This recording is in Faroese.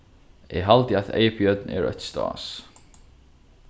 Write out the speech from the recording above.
eg haldi at eyðbjørn er eitt stás